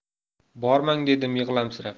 bormang dedim yig'lamsirab